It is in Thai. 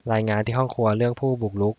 รายงานที่ห้องครัวเรื่องผู้บุกรุก